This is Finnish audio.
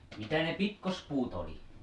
mitä ne pitkospuut oli